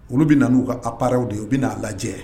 Olu bɛ nan uu ka aprw de ye u bɛ'a lajɛ